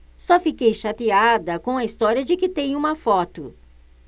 só fiquei chateada com a história de que tem uma foto